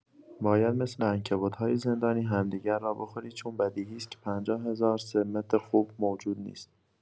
باید مثل عنکبوت‌های زندانی همدیگر را بخورید چون بدیهی است که پنجاه هزار سمت خوب موجود نیست.